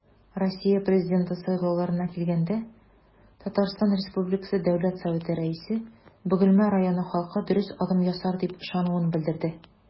Россия Президенты сайлауларына килгәндә, ТР Дәүләт Советы Рәисе Бөгелмә районы халкы дөрес адым ясар дип ышануын белдерде.